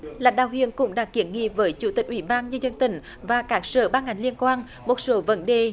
lãnh đạo huyện cũng đã kiến nghị với chủ tịch ủy ban nhân dân tỉnh và các sở ban ngành liên quan một số vấn đề